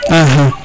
axa